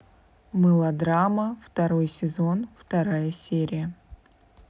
мылодрама второй сезон вторая серия